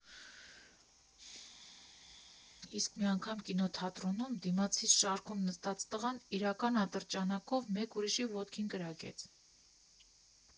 Իսկ մի անգամ կինոթատրոնում դիմացիս շարքում նստած տղան իրական ատրճանակով մեկ ուրիշի ոտքին կրակեց։